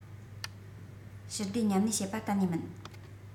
ཞི བདེ མཉམ གནས བྱེད པ གཏན ནས མིན